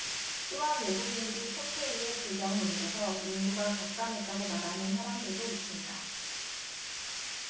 또한 외국인들이 폰페이에 질병을 옮겨서 인구가 격감했다고 말하는 사람들도 있습니다